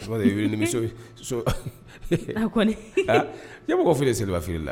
A ɲɛmɔgɔ feere seribaba feereri la